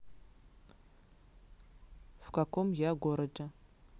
в каком я городе